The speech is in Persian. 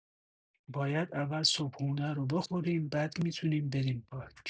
باید اول صبحونه رو بخوریم، بعد می‌تونیم بریم پارک.